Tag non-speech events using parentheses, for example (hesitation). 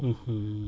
(hesitation) (hesitation)